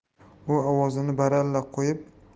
u ovozini baralla